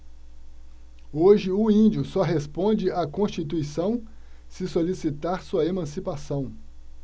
hoje o índio só responde à constituição se solicitar sua emancipação